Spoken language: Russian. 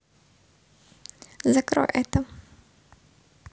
закрой это